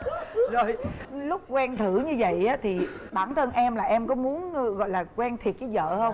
rồi lúc quen thử như vậy á thì bản thân em là em có muốn gọi là quen thiệt dới vợ không